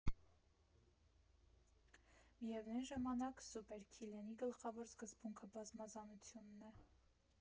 Միևնույն ժամանակ Սուպերքիլենի գլխավոր սկզբունքը բազմազանությունն է.